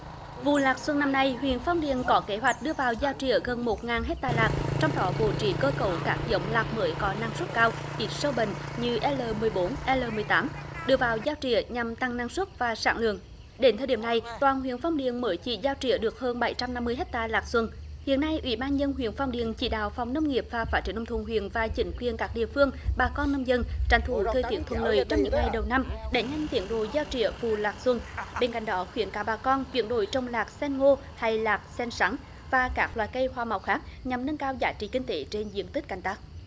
vụ lạc xuân năm nay huyện phong điền có kế hoạch đưa vào gia trỉa gần một ngàn héc ta lạc trong đó bố trí cơ cấu các giống lạc mới có năng suất cao ít sâu bệnh như e lờ mười bốn e lờ mười tám đưa vào giá trỉa nhằm tăng năng suất và sản lượng đến thời điểm này toàn huyện phong điền mới chỉ gieo trỉa được hơn bảy trăm năm mươi héc ta lạc xuân hiện nay ủy ban nhân dân huyện phong điền chỉ đạo phòng nông nghiệp và phát triển nông thôn huyện và chính quyền các địa phương bà con nông dân tranh thủ thời tiết thuận lợi trong những ngày đầu năm đẩy nhanh tiến độ gieo trỉa vụ lạc xuân bên cạnh đó khuyến cáo bà con chuyển đổi trồng lạc xen ngô hay lạc xen sắn và các loài cây hoa màu khác nhằm nâng cao giá trị kinh tế trên diện tích canh tác